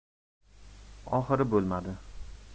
oxiri bo'lmadi